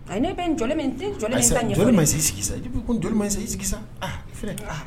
A ne bɛ n jɔ